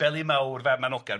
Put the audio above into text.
Beli Mawr fab Manogan.